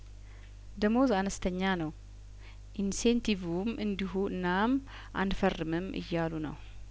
ደሞዝ አነስተኛ ነው ኢንሴንቲቩም እንዲሁ እናም አንፈርምም እያሉ ነው